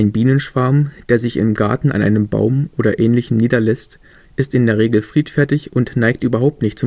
Bienenschwarm, der sich im Garten an einem Baum o. ä. niederlässt, ist in der Regel friedfertig und neigt überhaupt nicht